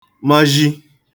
mazhi